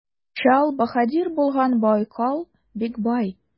Чал баһадир булган Байкал бик бай.